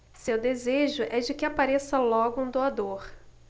seu desejo é de que apareça logo um doador